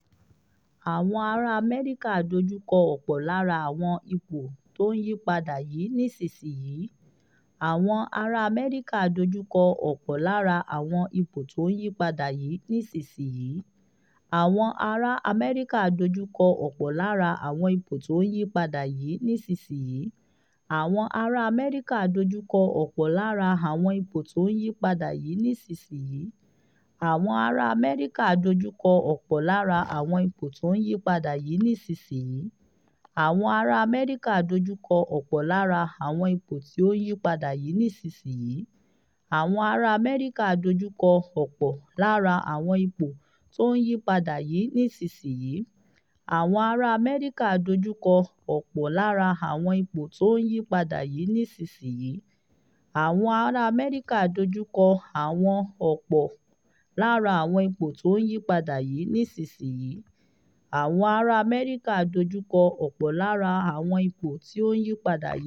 Àwọn ará Amẹ́ríkà dojú kọ ọ̀pọ̀ lára àwọn ipò tó ń yí padà yìí nísinsìnyí.